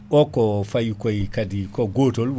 o ko fayi koy kaadi ko gotol